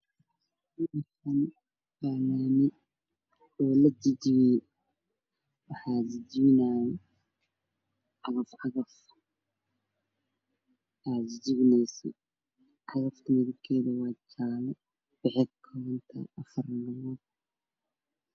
Waa laami lajajabiyay waxaa jajabinaayo cagaf cagaf kalarkeedu waa jaale iyo dahabi.